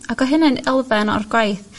ag o hynna'n elfen o'r gwaith